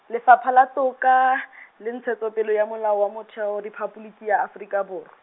Lefapha la Toka , le Ntshetsopele ya Molao wa Motheo Rephaboliki ya Afrika Bor-.